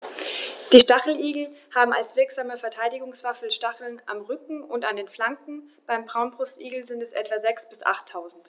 Die Stacheligel haben als wirksame Verteidigungswaffe Stacheln am Rücken und an den Flanken (beim Braunbrustigel sind es etwa sechs- bis achttausend).